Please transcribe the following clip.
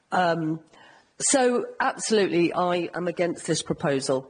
Yym so absolutely I am against this proposal.